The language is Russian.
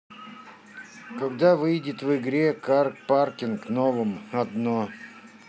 когда выйдет в игре car parking новом одно